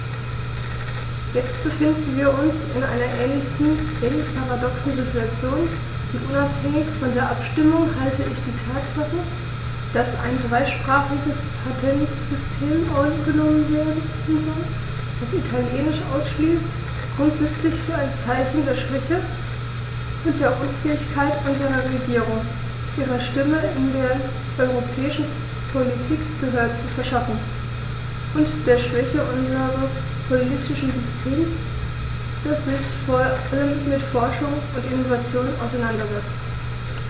Jetzt befinden wir uns in einer ähnlich paradoxen Situation, und unabhängig von der Abstimmung halte ich die Tatsache, dass ein dreisprachiges Patentsystem angenommen werden soll, das Italienisch ausschließt, grundsätzlich für ein Zeichen der Schwäche und der Unfähigkeit unserer Regierung, ihrer Stimme in der europäischen Politik Gehör zu verschaffen, und der Schwäche unseres politischen Systems, das sich vor allem mit Forschung und Innovation auseinandersetzt.